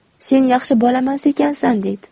sen yaxshi bolamas ekansan deydi